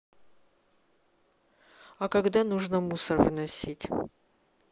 а когда нужно мусор выносить